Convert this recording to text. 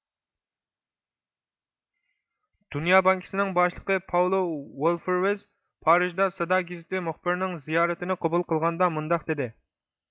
دۇنيا بانكىسىنىڭ باشلىقى پاۋلو ۋولفورۋېز پارىژ سادا گېزىتى مۇخبىرىنىڭ زىيارىتىنى قوبۇل قىلغاندا مۇنداق دېدى